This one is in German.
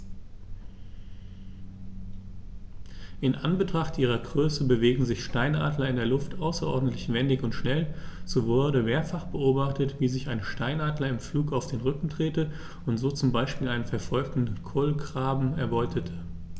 In Anbetracht ihrer Größe bewegen sich Steinadler in der Luft außerordentlich wendig und schnell, so wurde mehrfach beobachtet, wie sich ein Steinadler im Flug auf den Rücken drehte und so zum Beispiel einen verfolgenden Kolkraben erbeutete.